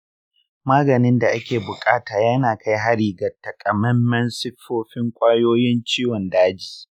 maganin da ake bukata yana kai hari ga takamammen siffofin kwayoyin ciwon daji.